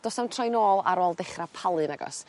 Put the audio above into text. do's 'na'm troi nôl ar ôl dechra palu nag o's?